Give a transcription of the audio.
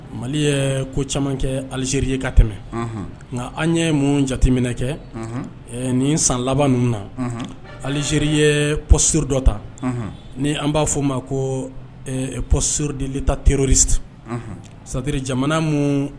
Mali ye ko caman kɛ aliziri ka tɛmɛ nka an ye mun jateminɛ kɛ nin san laban ninnu na aliziri ye pɔsuru dɔ ta ni an b'a f' o ma ko pɔsurudeli ta terri satiri jamana